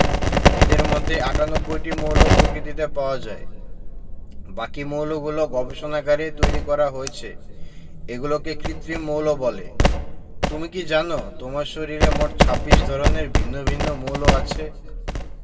এদের মধ্যে ৯৮টি মৌল প্রকৃতিতে পাওয়া যায় বাকি মৌলগুলো গবেষণাগারে তৈরি করা হয়েছে এগুলোকে কৃত্রিম মৌল বলে তুমি কি জানো তোমার শরীরে মোট ২৬ ধরনের ভিন্ন ভিন্ন মৌল আছে